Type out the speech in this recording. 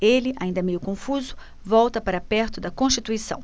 ele ainda meio confuso volta para perto de constituição